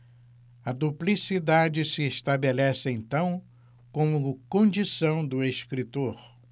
a duplicidade se estabelece então como condição do escritor